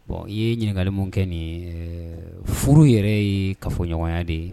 Bon i ye ɲininkakalimu kɛ nin furu yɛrɛ ye ka fɔ ɲɔgɔnya de ye